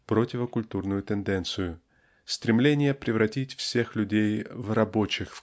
противокультурную тенденцию-- стремление превратить всех людей в "рабочих"